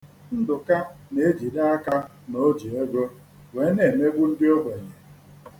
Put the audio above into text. Ndụka na-ejide aka na o ji ego wee na-emegbu ndị ogbenye.